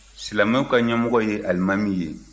silamɛw ka ɲɛmɔgɔ ye alimami ye